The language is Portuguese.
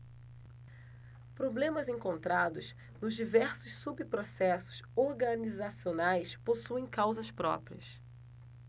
problemas encontrados nos diversos subprocessos organizacionais possuem causas próprias